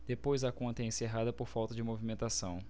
depois a conta é encerrada por falta de movimentação